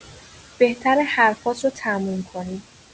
بهتره حرفات رو تموم کنی.